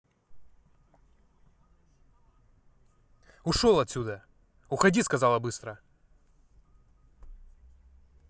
ушел отсюда уходи сказала быстро